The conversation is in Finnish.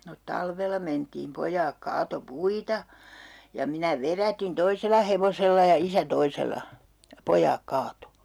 no talvella mentiin pojat kaatoi puita ja minä vedätin toisella hevosella ja isä toisella ja pojat kaatoi